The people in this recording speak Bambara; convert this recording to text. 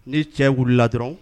Ni cɛ wili la dɔrɔn